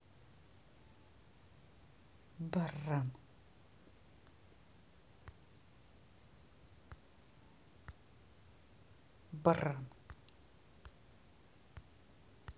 баран